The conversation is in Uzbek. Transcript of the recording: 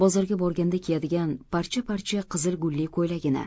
bozorga borganda kiyadigan parcha parcha qizil gullik ko'ylagini